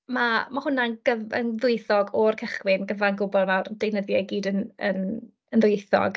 Ma' ma' hwnna'n gyf- yn ddwyieithog o'r cychwyn, gyfan gwbl, ma'r deunyddiau i gyd yn yn yn ddwyieithog.